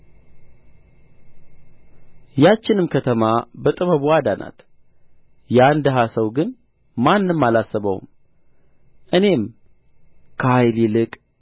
ያችንም ከተማ በጥበቡ አዳናት ያን ድሀ ሰው ግን ማንም አላሰበውም እኔም ከኃይል ይልቅ